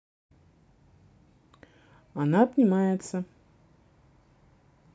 она обнимается